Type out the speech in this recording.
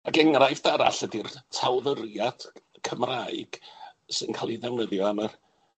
Ac enghraifft arall ydi'r talfyriad Cymraeg sy'n ca'l 'i ddefnyddio am y